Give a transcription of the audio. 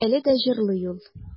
Әле дә җырлый ул.